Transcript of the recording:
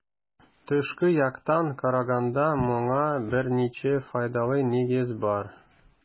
Тышкы яктан караганда моңа берничә файдалы нигез бар.